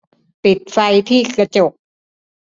ปิดไฟที่กระจก